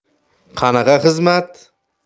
qanaqa xizmat